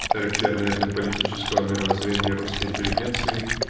характерное для политического мировоззрения русской интеллигенции